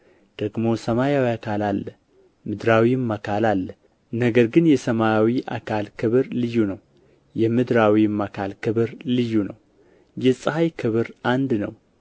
ደግሞ ሰማያዊ አካል አለ ምድራዊም አካል አለ ነገር ግን የሰማያዊ አካል ክብር ልዩ ነው የምድራዊም አካል ክብር ልዩ ነው የፀሐይ ክብር አንድ ነው